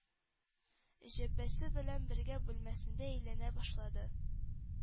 Җөббәсе белән бергә бүлмәсендә әйләнә башлады.